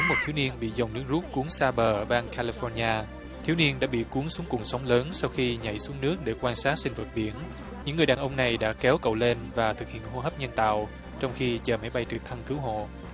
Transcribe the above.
một thiếu niên bị dòng nước rút cuốn xa bờ bang ca li phóc ni a thiếu niên đã bị cuốn xuống cùng sóng lớn sau khi nhảy xuống nước để quan sát sinh vật biển những người đàn ông này đã kéo cậu lên và thực hiện hô hấp nhân tạo trong khi chờ máy bay trực thăng cứu hộ